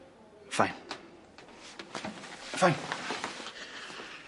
Ffein. Ffein.